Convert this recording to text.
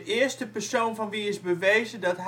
eerste persoon van wie is bewezen dat